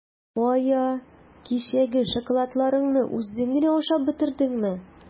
Кая, кичәге шоколадларыңны үзең генә ашап бетердеңме?